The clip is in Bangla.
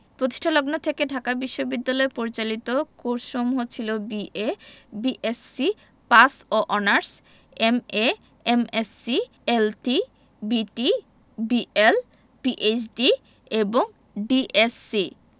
পতিষ্ঠালগ্ন থেকে ঢাকা বিশ্ববিদ্যালয় পরিচালিত কোর্সসমূহ ছিল বি.এ বি.এসসি পাস ও honours MA MSc LT BT BL PhD এবং ডিএস.সি